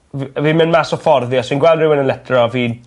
f- fi'n myn' mas o ffordd fi os fi'n gweld rywun yn litero fi'n